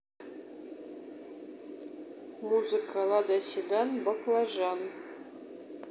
музыка лада седан баклажан